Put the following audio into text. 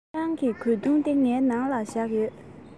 ཁྱེད རང གི གོས ཐུང ངའི ནང ལ བཞག ཡོད